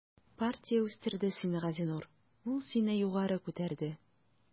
Партия үстерде сине, Газинур, ул сине югары күтәрде.